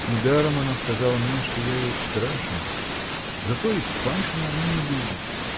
Недаром она сказала мне, что я ей страшен. Зато и Паншина она не любит.